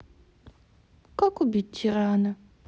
как убить тирана